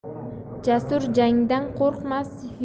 jasur jangdan qo'rqmas